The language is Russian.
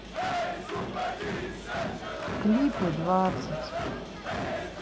клипы двадцать